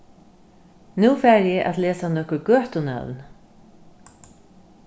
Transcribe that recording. nú fari eg at lesa nøkur gøtunøvn